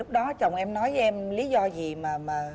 lúc đó chồng em nói với em lí do gì mà mà